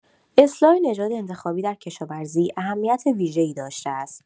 اصلاح نژاد انتخابی در کشاورزی اهمیت ویژه‌ای داشته است.